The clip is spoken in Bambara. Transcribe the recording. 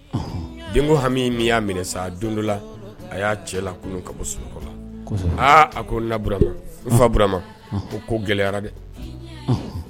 Denko hami y'a minɛ don dɔla a y'a cɛ la kunun ka bɔ sun a ko naura fa bura ma ko gɛlɛyara dɛ